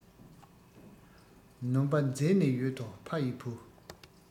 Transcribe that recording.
ནོམ པ འཛིར ནས ཡོད དོ ཕ ཡི བུ